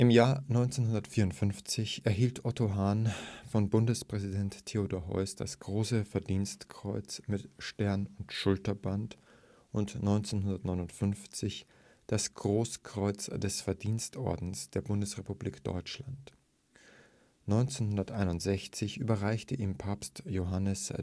Jahr 1954 erhielt Otto Hahn von Bundespräsident Theodor Heuss das Große Verdienstkreuz mit Stern und Schulterband und 1959 das Großkreuz des Verdienstordens der Bundesrepublik Deutschland. 1961 überreichte ihm Papst Johannes